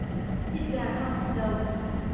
thịt gà kho xì dầu